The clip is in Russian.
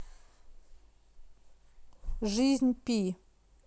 жизнь пи